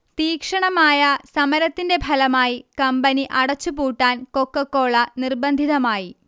തീക്ഷണമായ സമരത്തിന്റെ ഫലമായി കമ്പനി അടച്ചുപൂട്ടാൻ കൊക്കക്കോള നിർബന്ധിതമായി